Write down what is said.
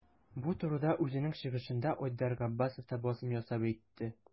Бу турыда үзенең чыгышында Айдар Габбасов та басым ясап әйтте.